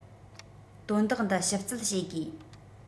དོན དག འདི ཞིབ རྩད བྱེད དགོས